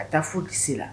Ka taa foyi kisi la